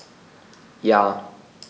Ja.